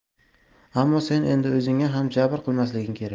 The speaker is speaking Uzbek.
ammo sen endi o'zingga ham jabr qilmasliging kerak